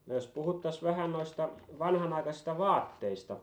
no jos puhuttaisiin vähän noista vanhanaikaisista vaatteista